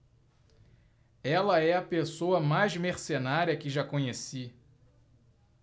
ela é a pessoa mais mercenária que já conheci